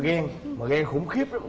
ghen mà ghen khủng khiếp lắm